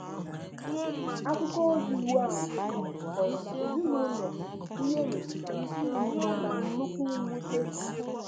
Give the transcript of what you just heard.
Akwụkwọozi Iwacu kọrọ na ezinaụlọ ndị ihe metụtara nọ na nnukwu mwute.